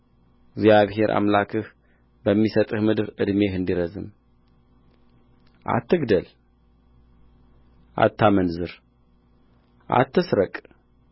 እግዚአብሔር አምላክህ በሚሰጥህ ምድር ዕድሜህ እንዲረዝም አትግደል አታመንዝር አትስረቅ